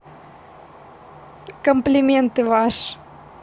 комплименты ваш